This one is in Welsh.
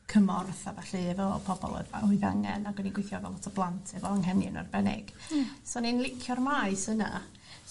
cymorth a ballu efo pobol o'dd a oedd angen ag o'n i'n gweithio efo lot o blant efo anghenion arbennig. Hmm. So o'n i'n licio'r maes yna.